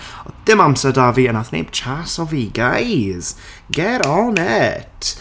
Oedd dim amser 'da fi a wnaeth neb jaso fi guys! Get on it!